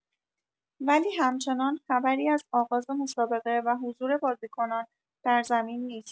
ولی همچنان خبری از آغاز مسابقه و حضور بازیکنان در زمین نیست